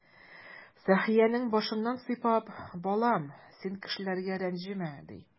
Сәхиянең башыннан сыйпап: "Балам, син кешеләргә рәнҗемә",— ди.